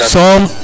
som